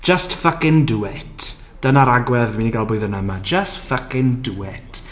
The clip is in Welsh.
Just fucking do it. Dyna'r agwedd fi'n mynd i gael blwyddyn yma. Just fucking do it.